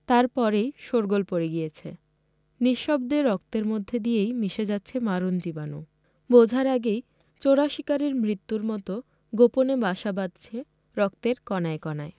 তার পরেই শোরগোল পড়ে গিয়েছে নিশব্দে রক্তের মধ্য দিয়েই মিশে যাচ্ছে মারণ জীবাণু বোঝার আগেই চোরাশিকারির মতো মৃত্যু গোপনে বাসা বাঁধছে রক্তের কণায় কণায়